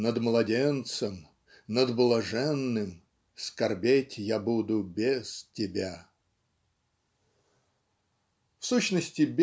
Над младенцем, над блаженным, Скорбеть я буду без Тебя. В сущности